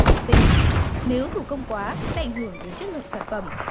vệ sinh nếu thủ công quá sẽ ảnh hưởng đến chất lượng sản phẩm